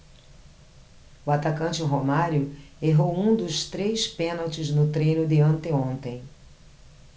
o atacante romário errou um dos três pênaltis no treino de anteontem